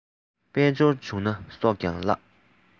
དཔལ འབྱོར བྱུང ན སྲོག ཀྱང བརླག